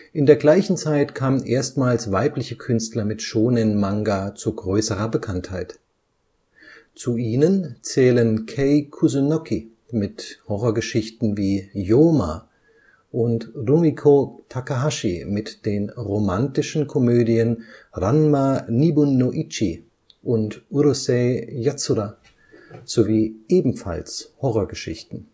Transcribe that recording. In der gleichen Zeit kamen erstmals weibliche Künstler mit Shōnen-Manga zu größerer Bekanntheit. Zu ihnen zählen Kei Kusunoki mit Horrorgeschichten wie Yōma und Rumiko Takahashi mit den romantischen Komödien Ranma ½ und Urusei Yatsura sowie ebenfalls Horrorgeschichten